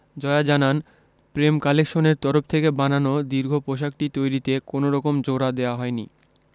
জয়া জানান প্রেম কালেকশন এর তরফ থেকে বানানো দীর্ঘ পোশাকটি তৈরিতে কোনো রকম জোড়া দেয়া হয়নি